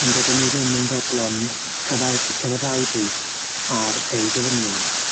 ond dydyn nhw ddim yn fodlon cyfadd- cyfaddawdi ar eu gofynion.